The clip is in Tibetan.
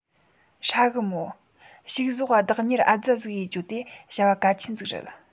ཧྲ གི མོད ཕྱུགས ཟོག ག བདག གཉེར ཨ ཙ ཟིག ཡེད རྒྱུའོ དེ བྱ བ གལ ཆེན ཟིག རེད